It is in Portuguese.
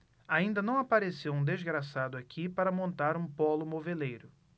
ainda não apareceu um desgraçado aqui para montar um pólo moveleiro